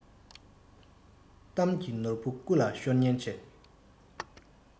གཏམ གྱི ནོར བུ རྐུ ལ ཤོར ཉེན ཆེ